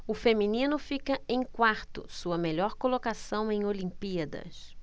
o feminino fica em quarto sua melhor colocação em olimpíadas